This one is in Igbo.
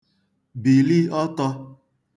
bìli ọtọ̄